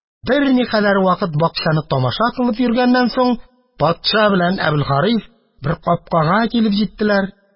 Берникадәр вакыт бакчаны тамаша кылып йөргәннән соң, патша белән Әбелхарис бер капкага килеп җиттеләр.